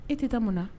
I tɛ taa mun na